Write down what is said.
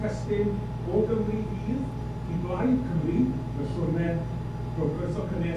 testun O Gymru Fydd i Blaid Cymru, y siwrne rhowch croeso cynnes...